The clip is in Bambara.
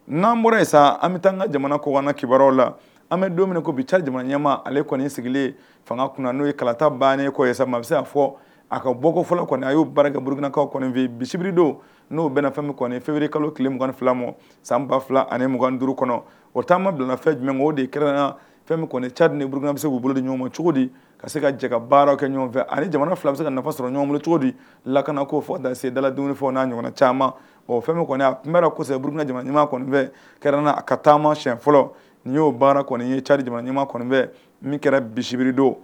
N'an bɔra yen san an bɛ taa an ka jamana kɔna kibaruyaraw la an bɛ don ko bi ca jamana ɲɛmaa ale kɔni sigilen fanga kun na n'o ye kalata bannen kɔ ye sa bɛ se a fɔ a ka bɔkofɔ kɔni a y' baara kɛ burukinakaw bisimilabiri don n'u bɛna fɛn bɛ kɔni fɛnbri kalo tileɔni fila ma san ba fila ani mugan duuruuru kɔnɔ o taama fɛn jumɛn o de kɛra fɛn kɔni cadi ni burukina bɛ se k'u bolo ni ɲɔgɔn cogodi ka se ka jɛka baara kɛ ɲɔgɔnfɛ ani jamana fila se ka sɔrɔ ɲɔgɔnkolon cogodi lakana koo fɔ daseda dumunifɔw n naa ɲɔgɔn caman o fɛn kɔni a tunra kɔuruinaja ɲumanfɛ kɛ n ka taama si fɔlɔ nii'o baara ye cadija ɲumanfɛ min kɛra bibiridon